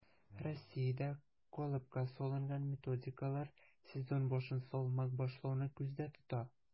Россиядә калыпка салынган методикалар сезон башын салмак башлауны күздә тота: